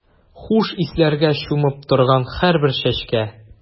Хуш исләргә чумып торган һәрбер чәчкә.